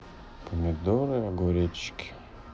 помидоры огуречки